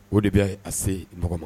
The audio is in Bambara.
O de bɛ a se mɔgɔ ma